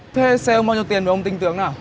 thế xe ông bao nhiêu tiền mà ông tinh tướng nào